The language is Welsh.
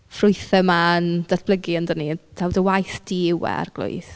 Frwythau 'ma yn datblygu ynddo ni, taw dy waith di yw e Arglwydd.